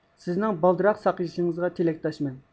سىزنىڭ بالدۇرراق ساقىيىشىڭىزغا تىلەكداشمەن